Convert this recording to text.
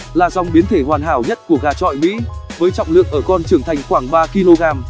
là dòng biến thể hoàn hảo nhất của gà chọi mỹ với trọng lượng ở con trưởng thành khoảng kg